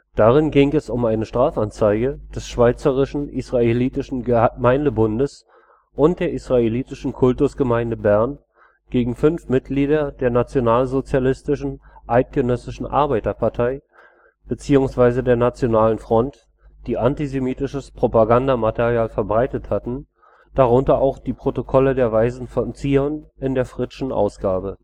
Darin ging es um eine Strafanzeige des Schweizerischen Israelitischen Gemeindebunds und der Israelitischen Kultusgemeinde Bern gegen fünf Mitglieder der Nationalsozialistischen Eidgenössischen Arbeiterpartei bzw. der Nationalen Front, die antisemitisches Propagandamaterial verbreitet hatten, darunter auch die Protokolle der Weisen von Zion in der fritschschen Ausgabe